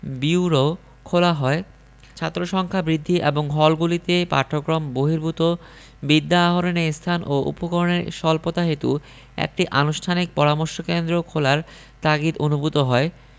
bureau খোলা হয় ছাত্রসংখ্যা বৃদ্ধি এবং হলগুলিতে পাঠক্রম বহির্ভূত বিদ্যা আহরণের স্থান ও উপকরণের স্বল্পতাহেতু একটি আনুষ্ঠানিক পরামর্শ কেন্দ্র খোলার তাগিদ অনুভূত হয়